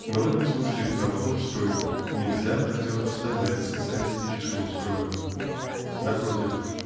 Но в этом смысле правовой строй нельзя противопоставлять социалистическому строю. Напротив